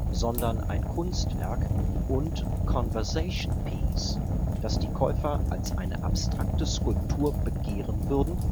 sondern ein Kunstwerk und conversation piece, das die Käufer als eine abstrakte Skulptur begehren würden